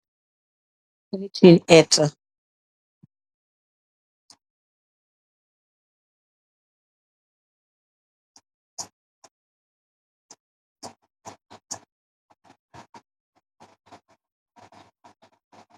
Mungi teyeh petah.